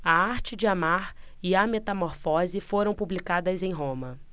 a arte de amar e a metamorfose foram publicadas em roma